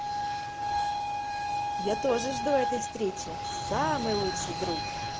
я тоже жду этой встречи самый лучший друг